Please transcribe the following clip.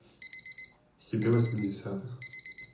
хиты восьмидесятых